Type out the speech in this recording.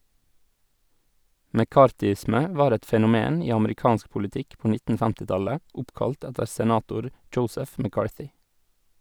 «McCarthyisme» var et fenomen i amerikansk politikk på 1950-tallet, oppkalt etter senator Joseph McCarthy.